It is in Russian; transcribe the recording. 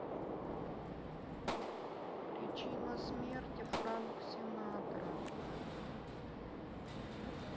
причина смерти frank sinatra